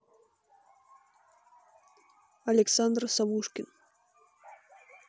александр савушкин